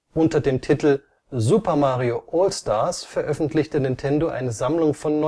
Unter dem Titel Super Mario All-Stars (SNES, 1993) veröffentlichte Nintendo eine Sammlung von